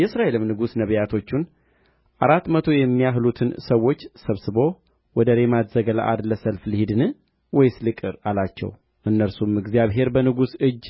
የእስራኤልም ንጉሥ ነቢያቶቹን አራት መቶ የሚያህሉትን ሰዎች ሰብስቦ ወደ ሬማት ዘገለዓድ ለሰልፍ ልሂድን ወይስ ልቅር አላቸው እነርሱም እግዚአብሔር በንጉሥ እጅ